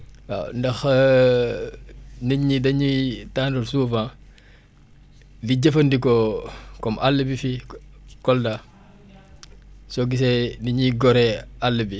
waaw ndax nit ñi dañuy tàmm souvent di jëfanfandikoo comme àll bi fii Kolda soo gisee ni ñuy goree àll bi